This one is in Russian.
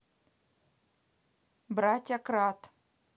братья кратт